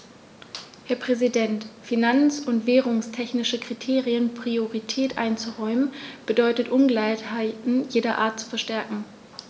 Herr Präsident, finanz- und währungstechnischen Kriterien Priorität einzuräumen, bedeutet Ungleichheiten jeder Art zu verstärken.